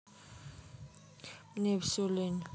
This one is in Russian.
мне все лень